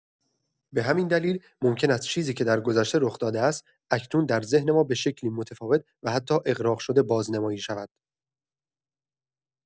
به همین دلیل، ممکن است چیزی که درگذشته رخ‌داده است، اکنون در ذهن ما به شکلی متفاوت و حتی اغراق‌شده بازنمایی شود.